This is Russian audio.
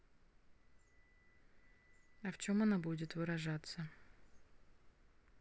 а в чем она будет выражаться